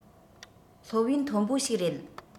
སློབ ཡོན མཐོན པོ ཞིག རེད